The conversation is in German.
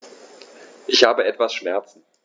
Ich habe etwas Schmerzen.